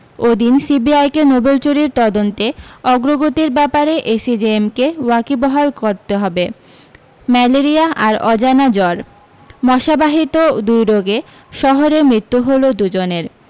ওদিন সিবিআইকে নোবেল চুরির তদন্তে অগ্রগতির ব্যাপারে এসিজেএমকে ওয়াকিবহাল করতে হবে ম্যালেরিয়া আর অজানা জর মশাবাহিত দুই রোগে শহরে মৃত্যু হল দুজনের